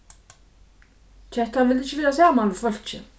kettan vildi ikki vera saman við fólki